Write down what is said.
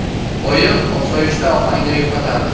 oyim osoyishta ohangda yupatadi